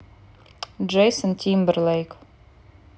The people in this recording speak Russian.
джейсон тимберлейк